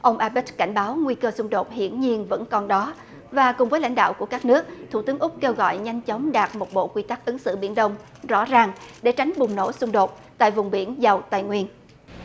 ông a bớt cảnh báo nguy cơ xung đột hiển nhiên vẫn còn đó và cùng với lãnh đạo của các nước thủ tướng úc kêu gọi nhanh chóng đạt một bộ quy tắc ứng xử biển đông rõ ràng để tránh bùng nổ xung đột tại vùng biển giàu tài nguyên